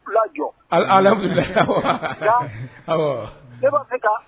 Ala wa